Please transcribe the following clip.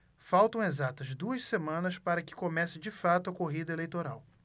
faltam exatas duas semanas para que comece de fato a corrida eleitoral